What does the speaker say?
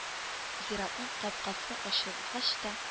Зиратның капкасы ачылгач та